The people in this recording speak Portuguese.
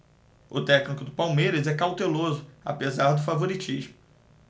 o técnico do palmeiras é cauteloso apesar do favoritismo